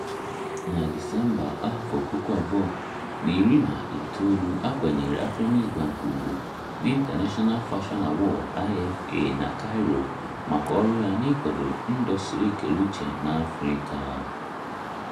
Na Disemba 2019, a kwanyere Afreximbank ugwu na International Fashion Awards (IFA) na Cairo maka ọrụ ya n'ịkwado ndọstrị ekere uche n'Africa.